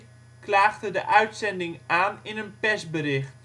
klaagde de uitzending aan in een persbericht